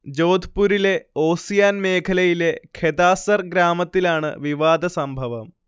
ജോധ്പുരിലെ ഓസിയാൻ മേഖലയിലെ ഖെതാസർ ഗ്രാമത്തിലാണ് വിവാദസംഭവം